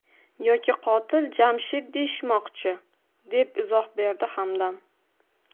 yoki qotil jamshid deyishmoqchi deb izoh berdi hamdam